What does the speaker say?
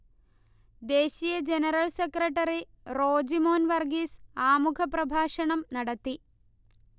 ദേശീയ general secretary Rojimon Varghese ആമുഖപ്രഭാഷണം നടത്തി